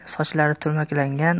sochlari turmaklangan